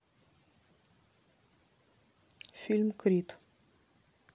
фильм крит